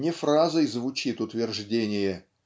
не фразой звучит утверждение